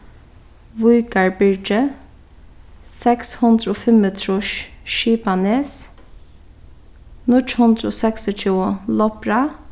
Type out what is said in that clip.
víkarbyrgi seks hundrað og fimmogtrýss skipanes níggju hundrað og seksogtjúgu lopra